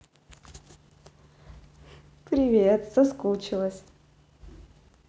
привет соскучилась